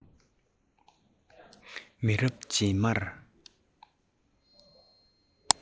མི རབས རྗེས མར